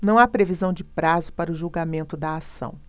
não há previsão de prazo para o julgamento da ação